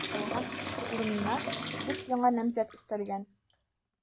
Калган икесе урынына дүрт яңа намзәт өстәлгән.